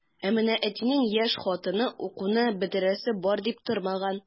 Ә менә әтинең яшь хатыны укуны бетерәсе бар дип тормаган.